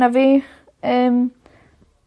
na fi. Yym.